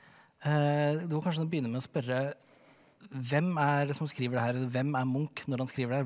det går kanskje an å begynne med å spørre hvem er det som skriver det her eller hvem er Munch når han skriver det her?